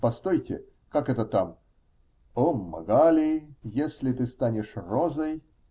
Постойте, как это там: "О, Магали, если ты станешь розой.